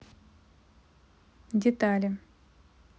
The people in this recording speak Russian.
детали